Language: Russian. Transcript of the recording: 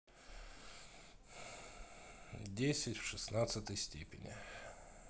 десять в шестнадцатой степени